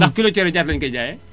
ndax kilo cere ñaata la ñu koy jaayee